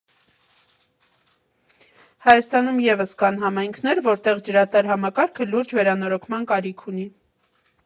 Հայաստանում ևս կան համայնքներ, որտեղ ջրատար համակարգը լուրջ վերանորոգման կարիք ունի։